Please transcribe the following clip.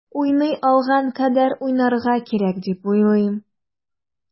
Уйный алган кадәр уйнарга кирәк дип уйлыйм.